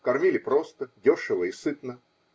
кормили просто, дешево и сытно.